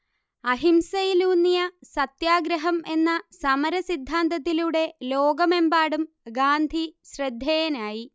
അഹിംസയിലൂന്നിയ സത്യാഗ്രഹം എന്ന സമര സിദ്ധാന്തത്തിലൂടെ ലോകമെമ്പാടും ഗാന്ധി ശ്രദ്ധേയനായി